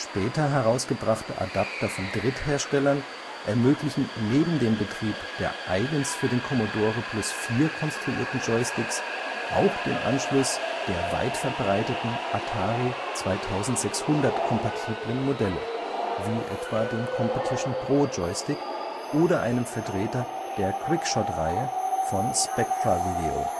Später herausgebrachte Adapter von Drittherstellern ermöglichen neben dem Betrieb der eigens für den Commodore Plus/4 konstruierten Joysticks auch den Anschluss der weitverbreiteten Atari-2600-kompatiblen Modelle (D-Sub: zweireihig 9-polig) wie etwa dem Competition-Pro-Joystick oder einem Vertreter der Quickshot-Reihe von Spectravideo